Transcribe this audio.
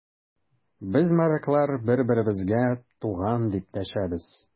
Без, моряклар, бер-беребезгә туган, дип дәшәбез.